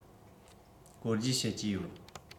གོ བརྗེ བྱེད ཀྱི ཡོད